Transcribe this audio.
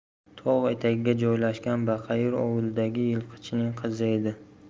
tog' etagiga joylashgan baqayir ovulidagi yilqichining qizi edi